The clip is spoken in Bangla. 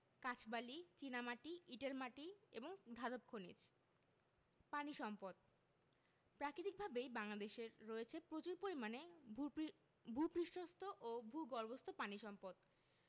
কাঁচবালি চীনামাটি ইটের মাটি এবং ধাতব খনিজ পানি সম্পদঃ প্রাকৃতিকভাবেই বাংলাদেশের রয়েছে প্রচুর পরিমাণে ভূ পৃ ভূ পৃষ্ঠস্থ ও ভূগর্ভস্থ পানি সম্পদ